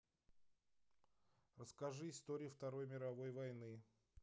расскажи историю второй мировой войны